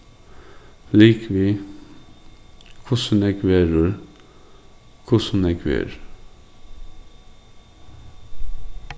ligvið hvussu nógv verður hvussu nógv er